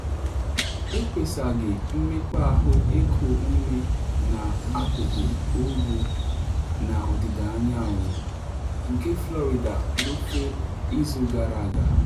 Ekpesaghị mmekpa ahụ iku ume na akụkụ Ugwu na ọdịda anyanwụ nke Florida n’ofe izu gara aga.